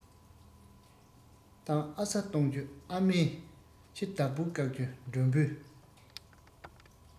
གཏམ ཨ ས གཏོང རྒྱུ ཨ མས ཁྱི བདག པོས བཀག རྒྱུ མགྲོན པོས